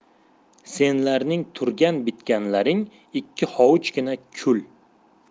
senlarning turgan bitganlaring ikki hovuchgina kul